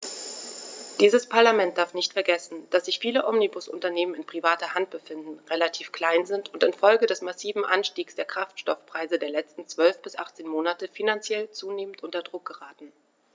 Dieses Parlament darf nicht vergessen, dass sich viele Omnibusunternehmen in privater Hand befinden, relativ klein sind und in Folge des massiven Anstiegs der Kraftstoffpreise der letzten 12 bis 18 Monate finanziell zunehmend unter Druck geraten.